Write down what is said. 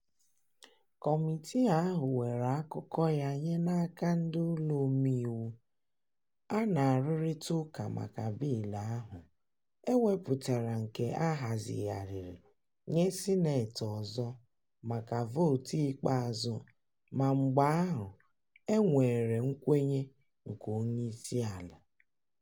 Kọmitii ahụ were akụkọ ya nye n'aka Ụlọ Omeiwu, a na-arụrịta ụka maka bịịlụ ahụ, e wepụtara nke a hazigharịrị nye Sineetị ọzọ maka vootu ikpeazụ ma mgbe ahụ, e nwere nkwenye nke onyeisiala.